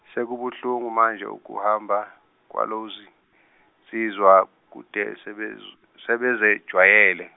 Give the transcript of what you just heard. sekubuhlungu manje ukuhamba kwalozi nsizwa kude sebez- sebezejwayele.